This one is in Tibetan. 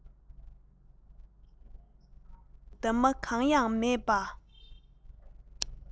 མེ ཏོག དང འདབ མ གང ཡང མེད པ